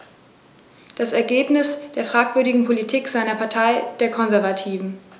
Das ist das Ergebnis der fragwürdigen Politik seiner Partei, der Konservativen.